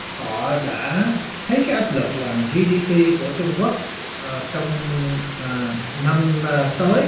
họ đã thấy cái áp lực lần ri đi pi của trung quốc trong năm tới